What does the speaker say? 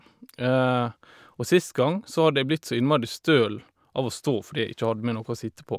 Og sist gang, så hadde jeg blitt så innmari støl av å stå fordi jeg ikke hadde med noe å sitte på.